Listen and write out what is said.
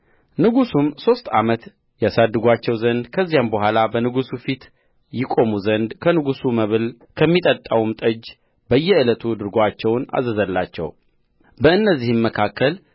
ንጉሡም ሦስት ዓመት ያሳድጉአቸው ዘንድ ከዚያም በኋላ በንጉሡ ፊት ይቆሙ ዘንድ ከንጉሡ መብል ከሚጠጣውም ጠጅ በየዕለቱ ድርጎአቸውን አዘዘላቸው በእነዚህም መካከል